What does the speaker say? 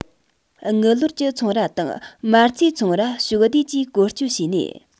དངུལ ལོར གྱི ཚོང ར དང མ རྩའི ཚོང ར ཕྱོགས བསྡུས ཀྱིས བཀོལ སྤྱོད བྱས ནས